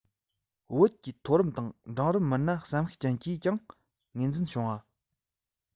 བོད ཀྱི མཐོ རིམ དང འབྲིང རིམ མི སྣ བསམ ཤེས ཅན གྱིས ཀྱང ངོས འཛིན བྱུང བ